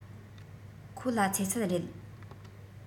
ཁོ ལ ཚེ ཚད རེད